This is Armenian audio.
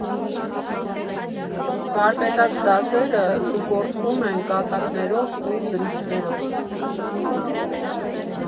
Վարպետաց դասերը զուգորդվում են կատակներով ու զրույցներով։